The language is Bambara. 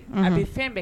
Unhun a be fɛn bɛɛ